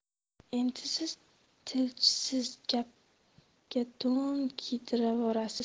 endi siz tilchisiz gapga to'n kiydirvorasiz